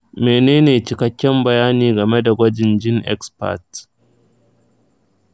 menene cikakken bayani game da gwajin genexpert?